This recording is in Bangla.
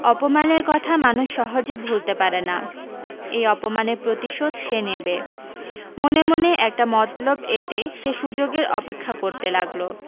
অপমানের কথা মানুষ সহজে ভুলতে পারে না এই অপমানের প্রতিশোধ সে নেবে মনে মনে একটা মতলব এঁটে সে সু্যোগের অপেক্ষা করতে লাগল